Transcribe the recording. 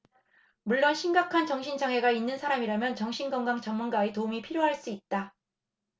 물론 심각한 정신 장애가 있는 사람이라면 정신 건강 전문가의 도움이 필요할 수 있다